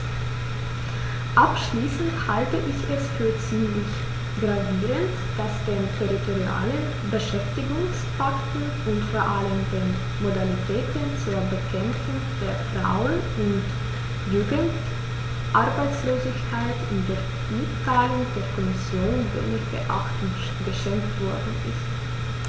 Abschließend halte ich es für ziemlich gravierend, dass den territorialen Beschäftigungspakten und vor allem den Modalitäten zur Bekämpfung der Frauen- und Jugendarbeitslosigkeit in der Mitteilung der Kommission wenig Beachtung geschenkt worden ist.